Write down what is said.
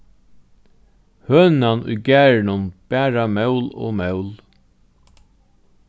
hønan í garðinum bara mól og mól